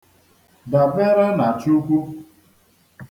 Dabere na Chukwu.